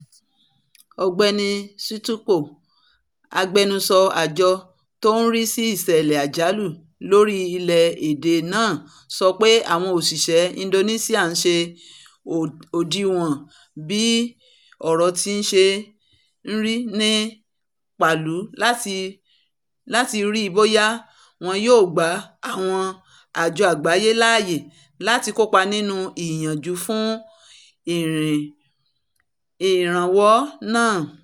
Ọ̀gbẹ́ni Sutopo, agbẹnusọ àjọ tó ń rísí ìṣẹ́lẹ̀ àjálù lórílẹ̀ èdè náà, sọ pé àwọn òṣìṣẹ́ Indonesia ń ṣe òdiwọ̀n bí ọ̀rọ̀ ti ṣe rí ní Palu láti rii bóyá wọn yóò gba àwọn àjọ àgbáyé láàáyé láti kópa nínú ìyànjú fún ìrànwọ́ náà.